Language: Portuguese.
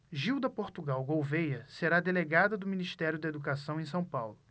gilda portugal gouvêa será delegada do ministério da educação em são paulo